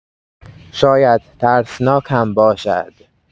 شاید ترسناک هم باشد.